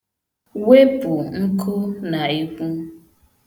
Wepụ nkụ n'ekwu.